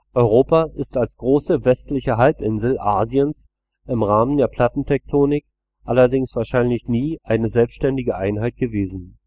Europa ist als große westliche Halbinsel Asiens im Rahmen der Plattentektonik allerdings wahrscheinlich nie eine selbstständige Einheit gewesen